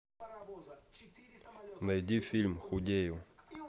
найди фильм худею